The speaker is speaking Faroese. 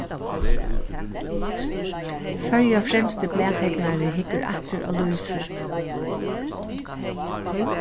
føroya fremsti blaðteknari hyggur aftur á lív sítt